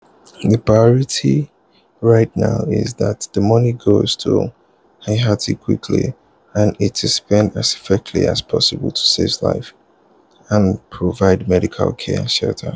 The priority right now is that the money gets to Haiti quickly and is spent as effectively as possible to save lives, and provide medical care and shelter.